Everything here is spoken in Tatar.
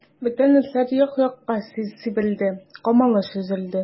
Бүтән этләр як-якка сибелде, камалыш өзелде.